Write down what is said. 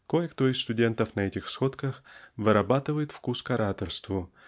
Кое-кто из студентов на этих сходках вырабатывает вкус к ораторству